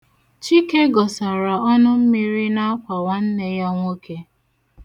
Chike gọsara ọnụmmiri n'akwa nwanne ya nwoke.